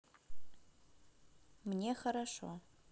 мне хорошо